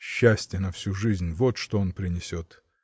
— Счастье на всю жизнь — вот что он принесет!